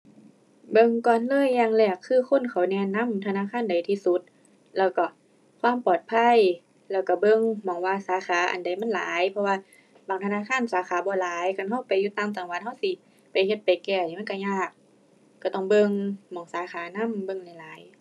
เบิ่งก่อนเลยอย่างแรกคือคนเขาแนะนำธนาคารใดที่สุด แล้วก็ความปลอดภัย แล้วก็เบิ่งหม้องว่าสาขาอันใดมันหลาย เพราะว่าบางธนาคารสาขาบ่หลาย คันก็ไปอยู่ต่างจังหวัดก็สิไปเฮ็ดไปแก้นี่มันก็ยาก ก็ต้องเบิ่งหม้องสาขานำ เบิ่งหลายหลาย